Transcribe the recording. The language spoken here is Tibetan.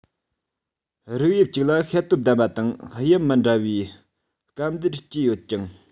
རིག དབྱིབས གཅིག ལ ཤེད སྟོབས ལྡན པ དང དབྱིབས མི འདྲ བའི སྐམ སྡེར སྐྱེས ཡོད ཅིང